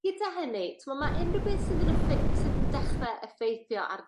Gyda hynny t'mo' ma' unrhyw beth sydd yn y effe- sydd yn dechre effeithio ar